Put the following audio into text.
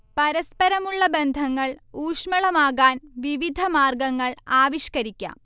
പരസ്പരമുള്ള ബന്ധങ്ങൾ ഊഷ്ളമാകാൻ വിവിധ മാർഗങ്ങൾ ആവിഷ്കരിക്കാം